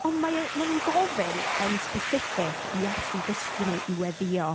Ond, mae e... maen nhw'n gofyn yn specific i Iesu dysgu nhw i weddïo.